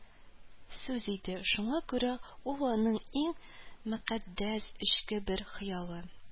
Сүз иде, шуңа күрә ул аның иң мөкатдәс эчке бер хыялы